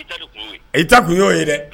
A ta kunyɔ ye dɛ